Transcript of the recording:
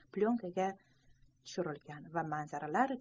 plyonkaga tushirilgan bu manzaralar